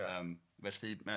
Yym felly ma'